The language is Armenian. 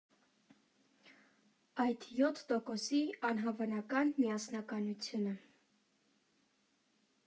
Այդ յոթ տոկոսի անհավանական միասնականությունը…